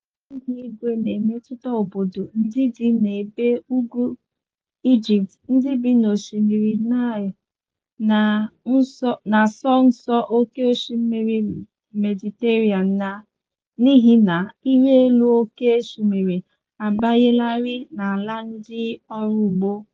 Mgbanwe ihuigwe na-emetụta obodo ndị dị n'ebe ugwu Egypt, ndị bi n'osimiri Nile na nso nso oke osimiri Mediterenian n'ihina ịrị elu oke osimiri abanyelarịị n'ala ndị ọrụugbo.